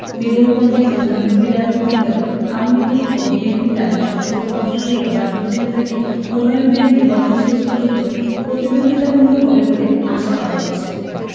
mayor পদে প্রধান দুই রাজনৈতিক দল আওয়ামী লীগ ও বিএনপি তাদের সবচেয়ে প্রভাবশালী ও জনপ্রিয় নেতাকে মনোনয়ন দেওয়ায় নির্বাচন শেষ পর্যন্ত প্রতিদ্বন্দ্বিতাপূর্ণ হবে বলে আশা করা হচ্ছে